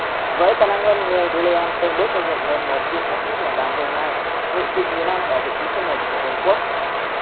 với tài năng hơn người william từng bước xây dựng nên kim sắc xuất nhật đoàn hùng manh ngự trị nhiều năm ở vị trí số của vương quốc